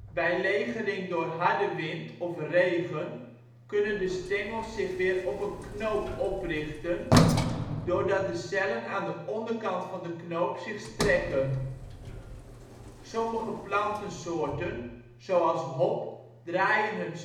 Bij legering door harde wind of regen kunnen de stengels zich weer op een knoop oprichten, doordat de cellen aan de onderkant van de knoop zich strekken. Sommige plantensoorten, zoals hop draaien hun